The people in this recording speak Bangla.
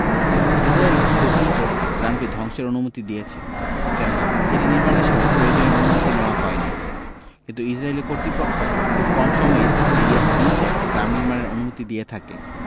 ইসরাইলের সুপ্রিম কোর্ট গ্রামটি ধ্বংসের অনুমতি দিয়েছে কেননা এটি নির্মাণের সময় প্রয়োজনীয় অনুমতি নেওয়া হয়নি কিন্তু ইসরাইলি কর্তৃপক্ষ খুব কম সময়ই এরিয়া সি তে গ্রাম নির্মাণের অনুমতি দিয়ে থাকে